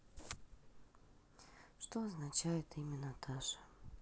что означает имя наташа